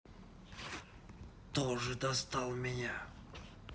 тоже достала меня